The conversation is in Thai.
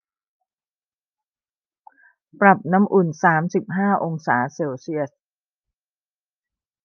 ปรับน้ำอุ่นสามสิบห้าองศาเซลเซียส